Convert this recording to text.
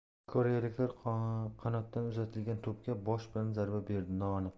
koreyaliklar qanotdan uzatilgan to'pga bosh bilan zarba berdi noaniq